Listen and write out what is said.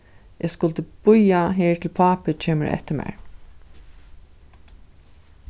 eg skuldi bíðað her til pápi kemur eftir mær